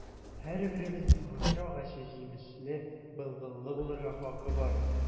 Һәрберебезнең гомер агачы җимешле, былбыллы булырга хакы бар.